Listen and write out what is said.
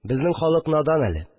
Безнең халык надан әле